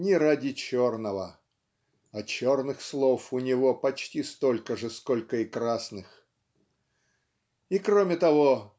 ни ради черного (а черных слов у него почти столько же сколько и красных). И кроме того